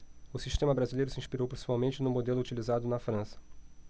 o sistema brasileiro se inspirou principalmente no modelo utilizado na frança